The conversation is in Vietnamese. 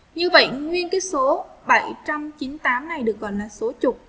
như vậy nguyên cây số ngày được gọi là số trực